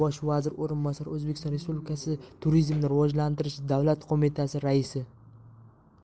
o'zbekiston respublikasi turizmni rivojlantirish davlat qo'mitasi raisi